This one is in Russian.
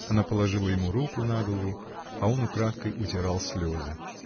Она положила ему руку на голову, а он украдкой утирал слезы.